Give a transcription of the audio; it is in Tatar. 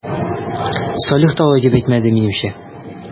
Салих та алай дип әйтмәде, минемчә...